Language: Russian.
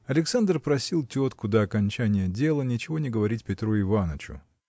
Александр просил тетку до окончания дела ничего не говорить Петру Иванычу.